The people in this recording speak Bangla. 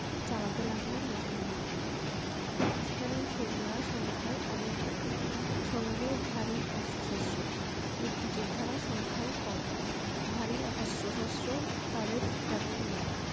চালাতে লাগলেন মেশিনগান পাকিস্তানি সৈন্যরা সংখ্যায় অনেক সঙ্গে ভারী অস্ত্রশস্ত্র মুক্তিযোদ্ধারা সংখ্যায় কম ভারী অস্ত্রশস্ত্র তাঁদের তেমন নেই